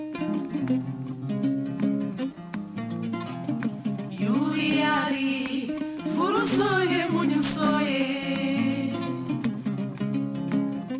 Y yoyari furuso ye muso ye